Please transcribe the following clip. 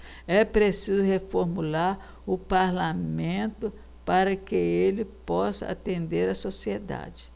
é preciso reformular o parlamento para que ele possa atender a sociedade